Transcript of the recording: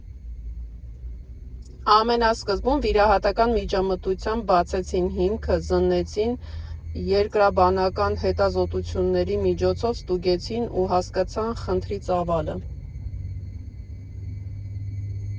Ամենասկզբում վիրահատական միջամտությամբ բացեցին հիմքը, զննեցին, երկրաբանական հետազոտությունների միջոցով ստուգեցին ու հասկացան խնդրի ծավալը։